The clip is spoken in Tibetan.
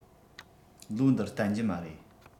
ལོ འདིར བརྟན རྒྱུ མ རེད